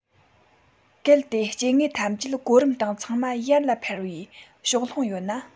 གལ ཏེ སྐྱེ དངོས ཐམས ཅད གོ རིམ སྟེང ཚང མ ཡར ལ འཕར བའི ཕྱོགས ལྷུང ཡོད ན